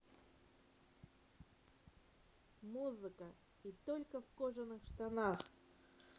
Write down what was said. музыка и только в кожаных штанах